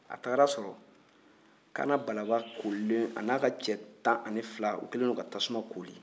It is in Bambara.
a taara a sɔrɔ kaana balaba koorilen a n'a ka cɛ tan ni fila u kɛlen don ka tasuma koori